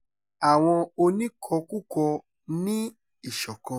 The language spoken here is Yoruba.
Àwọn oníkọkúkọ ní ìṣọ̀kan